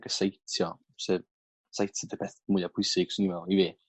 ag y citio sef citio 'id y peth mwya pwysig 'swn i' me'wl i fi